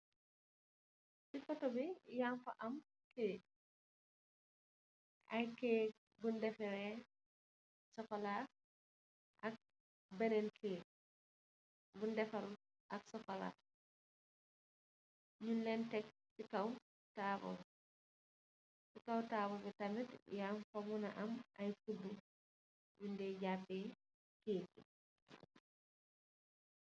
Foto bi yaañ fa am keek, ay keek yuñ defaree sokolaa, ak benen keek buñ deferul ak sokolaa. Ñung leen Tek si kow taabul, si kow taabul bi tam, yaañ fa am ay kudu. Kundu yu ñuy jaape keek.